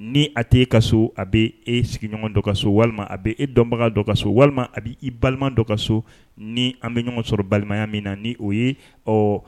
Ni a tɛ e ka so a bɛ e sigiɲɔgɔn dɔ ka so walima a bɛ e dɔnbaga dɔn ka so walima a bɛ i balima dɔn ka so ni an bɛ ɲɔgɔn sɔrɔ balimaya min na ni o ye ɔ